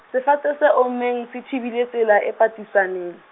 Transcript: sefate se ommeng se thibile tsela e patisaneng.